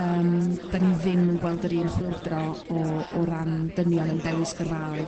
yrm 'dan ni ddim yn gweld yr un chwildro o o ran dynion yn dewis gyrfaoedd